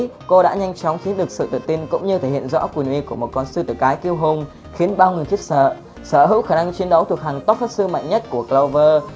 cô đã nhanh chóng chiếm được sự tự tin cũng như thể hiện rõ quyền uy của con sư tử cái kiêu hùng khiến bao người khiếp sợ sở hữu khả năng chiến đấu thuộc hàng top pháp sư mạnh nhất của clover